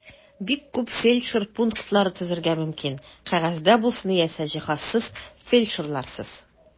Бик күп фельдшер пунктлары төзергә мөмкин (кәгазьдә булсын яисә җиһазсыз, фельдшерларсыз).